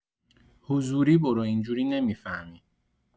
حضوری برو اینجوری نمی‌فهمی